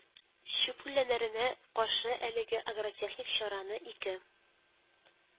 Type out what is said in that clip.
Чүп үләннәренә каршы әлеге агротехник чараны ике